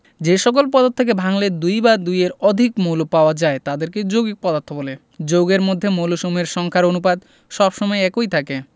যে সকল পদার্থকে ভাঙলে দুই বা দুইয়ের অধিক মৌল পাওয়া যায় তাদেরকে যৌগিক পদার্থ বলে যৌগের মধ্যে মৌলসমূহের সংখ্যার অনুপাত সব সময় একই থাকে